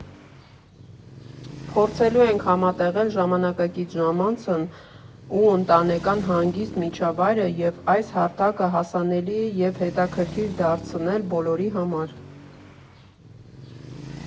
Փորձելու ենք համատեղել ժամանակակից ժամանցն ու ընտանեկան հնագիստ միջավայրը և այս հարթակը հասանելի և հետաքրքիր դարձնել բոլորի համար։